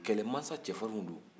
kɛlɛmansa cɛfarinw don